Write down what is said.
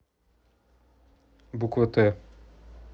буква т